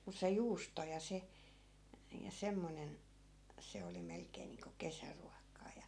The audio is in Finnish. mutta se juusto ja se ja semmoinen se oli melkein niin kuin kesäruokaa ja